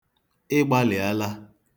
Ị gbalịala!